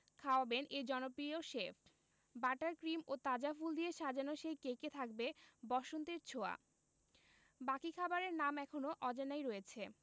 খাওয়াবেন এই জনপ্রিয় শেফ বাটার ক্রিম ও তাজা ফুল দিয়ে সাজানো সেই কেকে থাকবে বসন্তের ছোঁয়া বাকি খাবারের নাম এখনো অজানাই রয়েছে